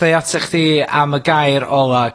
...doi atach chdi am y gair ola.